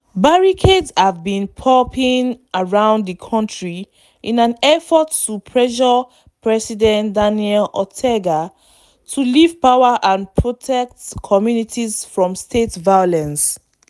Barricades have been popping around the country in an effort to pressure President Daniel Ortega to leave power and protect communities from state violence.